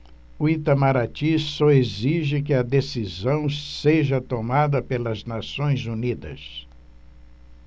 o itamaraty só exige que a decisão seja tomada pelas nações unidas